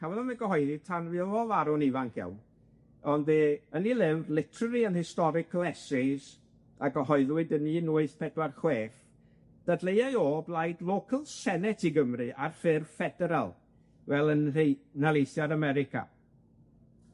cafodd o ddim ei gyhoeddi tan fuodd o farw'n ifanc iawn, ond yy yn 'i lyfr, literary and historical essays, a gyhoeddwyd yn un wyth pedwar chwech, dadleuai o o blaid local senate i Gymru ar ffurf federal, fel yn rhei nhaleithid America.